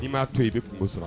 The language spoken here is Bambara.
N'i m'a toyi ,i bɛ kungo sɔrɔ.